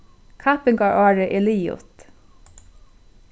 kappingarárið er liðugt